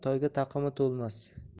toyga taqimi to'lmas